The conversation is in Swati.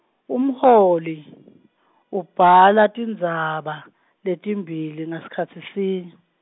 umholi, ubhala tindzaba, letimbili, ngasikhatsi sinye.